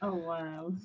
O waw.